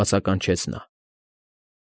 Բացականչեց նա։